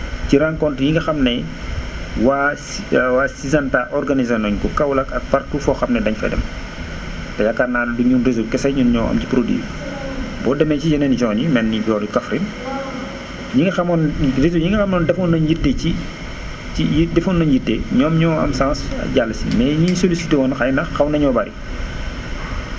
ci rencontres yi nga xam ne waa su waa Syngenta organisé woon nañ ko Kaolack ak partout foo xam ne dañ fa dem yaakaar naa ne du ñun réseau kese ñun ñoo am si produit bi boo demee si yeneen zones yi mel ne boori Kaffrine ñi nga xamoon réseau ñi nga xamoon def nañ yite ci ci defoon nañ yite ñoom ñoo am chance jàll si mais ñi ñu sollicité woon xëy na xaw na ñoo bëri